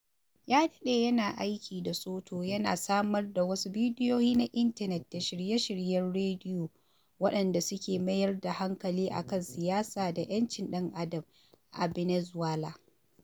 Ya daɗe yana aiki da Soto yana samar da wasu bidiyoyi na intanet da shirye-shiryen rediyo waɗanda suke mayar da hankali a kan siyasa da 'yancin ɗan'adam a ɓenezuela.